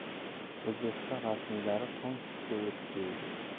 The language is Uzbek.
o'zbekiston rasmiylari tomskka yetib bordi